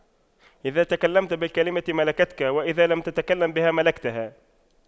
إذا تكلمت بالكلمة ملكتك وإذا لم تتكلم بها ملكتها